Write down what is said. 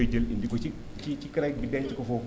dañ koy jël indi ko ci ci ci CREC bi denc ko foofu mu